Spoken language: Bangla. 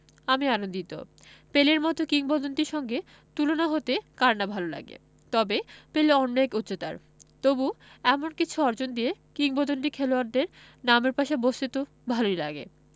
আমি আনন্দিত পেলের মতো কিংবদন্তির সঙ্গে তুলনা হতে কার না ভালো লাগে তবে পেলে অন্য এক উচ্চতার তবু এমন কিছু অর্জন দিয়ে কিংবদন্তি খেলোয়াড়দের নামের পাশে বসতে তো ভালোই লাগে